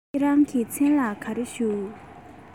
ཁྱེད རང གི མཚན ལ ག རེ ཞུ གི ཡོད